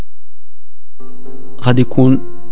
قد يكون